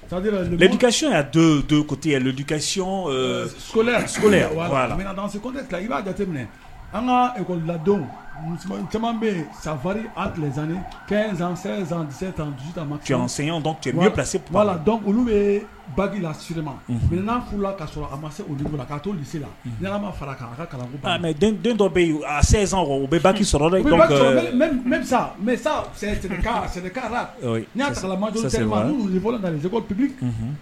Kay tɛkay ko i b'a jate minɛ an kakɔ ladenw caman bɛ yen safari zanni kɛ' la dɔn olu bɛ bakilasiri ma minɛn' la ka sɔrɔ a ma se la k ka tosi la ma fara ka kalanku mɛ dɔ bɛ yen a u bɛ baki sɔrɔ'a bolobi